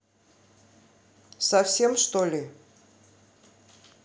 совсем что ли